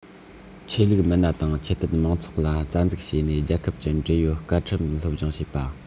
ཆོས ལུགས མི སྣ དང ཆོས དད དམངས ཚོགས ལ རྩ འཛུགས བྱས ནས རྒྱལ ཁབ ཀྱི འབྲེལ ཡོད བཀའ ཁྲིམས བསླབ སྦྱོང བྱེད པ